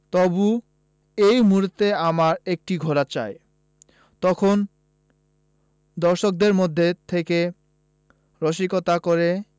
তবু এই মুহূর্তে আমার একটি ঘোড়া চাই – তখন দর্শকদের মধ্য থেকে রসিকতা করে